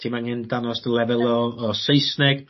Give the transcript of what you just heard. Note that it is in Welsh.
ti'm angen dangos dy lefel o o Saesneg.